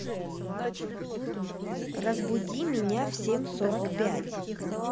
разбуди меня в семь сорок пять